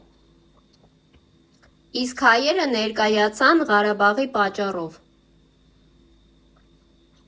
Իսկ հայերը ներկայացան՝ Ղարաբաղի պատճառով։